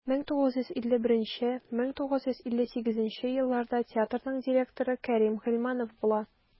1951-1958 елларда театрның директоры кәрим гыйльманов була.